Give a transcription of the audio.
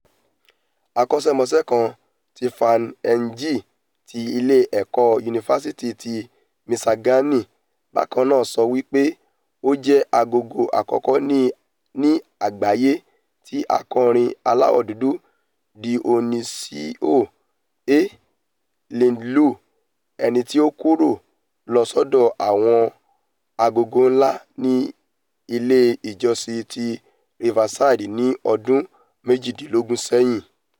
Akọ́ṣẹ́mọṣé kaǹ, Tiffany Ng ti ilé-ẹ̀kọ́ Yunifasiti ti Miṣigaani, bakanaa so wipé ó jẹ́ agogo àkọ́kọ́ ní àgbáyé tí akorin aláwò dudù, Dionisio A. Lind lu, ẹnití o kúrò̀ lọ̀ s'ọ́dọ̀ àwọn agogo ńlá ní ilé ìjọsìn ti Riverside ní odún méjìdínlógún sẹ́yìn.